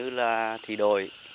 như là thì đội